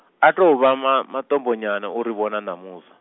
a tou vha ma- matombo nyana uri vhona ṋamusi.